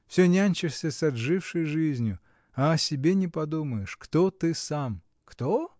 Всё нянчишься с отжившей жизнью, а о себе не подумаешь, кто ты сам? — Кто?